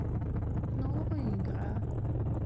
новая игра